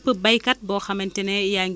loolu moom alaakulli àlli mënul am